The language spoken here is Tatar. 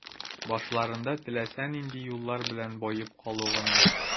Башларында теләсә нинди юллар белән баеп калу гына.